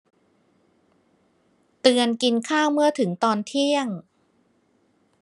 เตือนกินข้าวเมื่อถึงตอนเที่ยง